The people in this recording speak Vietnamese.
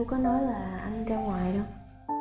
có nói là anh ra ngoài đâu